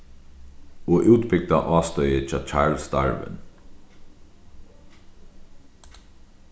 og útbygda ástøðið hjá charles darwin